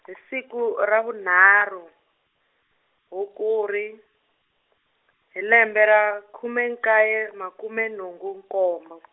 hi siku ra vunharhu, Hukuri, hi lembe ra khume nkaye makume nhungu nkombo .